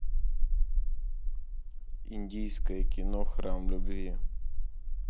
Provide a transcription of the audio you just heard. индийское кино храм любви